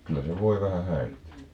kyllä se voi vähän häiritä